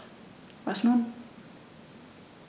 Was nun?